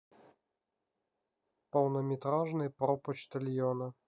полнометражный про почтальона